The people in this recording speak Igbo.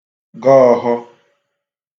gọ ọho